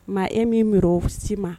Maa e min'i mi si ma